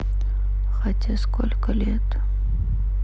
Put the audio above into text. хотя сколько лет